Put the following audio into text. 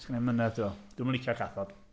Sgen i ddim mynedd timod, dwi'm yn licio cathod.